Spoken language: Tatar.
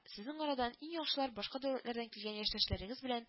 Сезнең арадан иң яхшылар башка дәүләтләрдән килгән яшьтәшләрегез белән